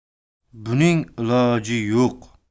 buning iloji yo'q